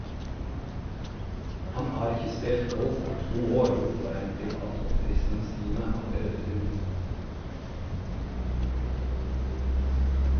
Han har ikkje spelt golf på to år, og får ein privat oppfriskingstime av Øderud.